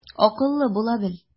Акыллы була бел.